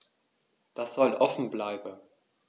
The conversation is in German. Das soll offen bleiben.